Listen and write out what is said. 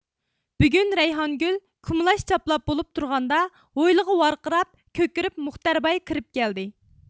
بۈگۈن رەيھانگۈل كۇمىلاچ چاپلاپ بولۇپ تۇرغاندا ھويلىغا ۋارقىراپ كۆكىرىپ مۇختەر باي كىرىپ كەلدى